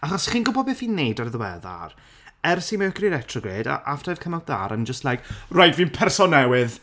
achos chi'n gwybod beth fi'n wneud o'r ddiweddar ers i mercury retrograde a after I've come out that I'm just like reit, fi'n person newydd